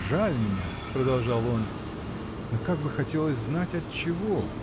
жаль меня, — продолжал он, — но как бы хотелось знать, отчего?